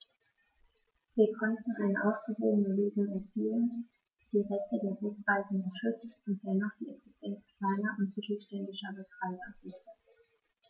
Wir konnten eine ausgewogene Lösung erzielen, die die Rechte der Busreisenden schützt und dennoch die Existenz kleiner und mittelständischer Betreiber sichert.